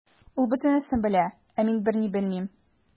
Ул бөтенесен белә, ә мин берни белмим.